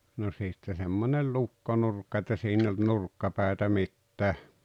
no sitten semmoinen lukkonurkka että siinä ei ollut nurkkapäätä mitään